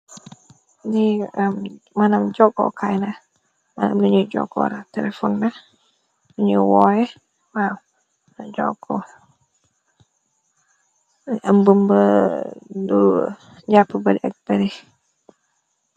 Li manam jogo kay la mënam luñuy jogo la telefon bi luñuy wooye waw na joko ëmb mbër lu jàpp bari ak bare.